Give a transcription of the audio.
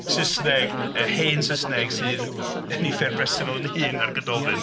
Saesneg yy hen Saesneg sydd yn eu ffurf bresennol yn hyn na'r Gododdin.